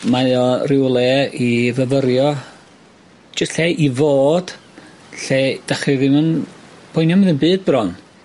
Mae o rywle i fyfyrio jyst lle i fod lle 'da chi ddim yn poeni am ddim byd bron.